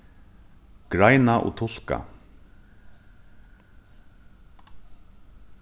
greina og tulka